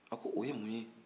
a ko o ye mun ye